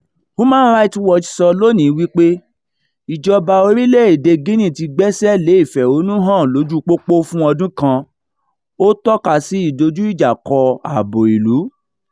Human Rights Watch sọ lónìí wípé, ìjọba orílẹ̀-èdèe Guinea ti gbẹ́sẹ̀ lé ìfèhònúhàn l'ójúu pópó fún ọdún kan, ó tọ́ka sí ìdojú-ìjà-kọ ààbò ìlú.